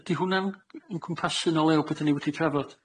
Yd- ydi hwnna'n yn cwmpasu'n olew be' dan ni wedi trafod?